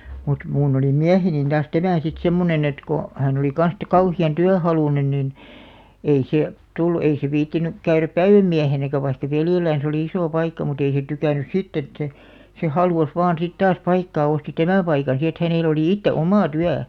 mutta minun oli mieheni taas tämä sitten semmoinen että kun hän oli kanssa sitten kauhean työhaluinen niin ei se tullut ei se viitsinyt käydä päivämiehenäkään vaikka veljellään oli iso paikka mutta ei se tykännyt sitten että se se halusi vain sitten taas paikkaa osti tämän paikan sitten että hänellä oli itse oma työ